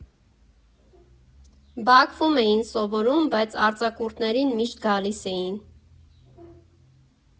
Բաքվում էին սովորում, բայց արձակուրդներին միշտ գալիս էին։